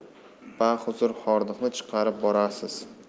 bahuzur hordiqni chiqarib borasiz